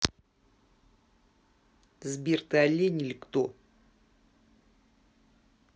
сбер ты олень или кто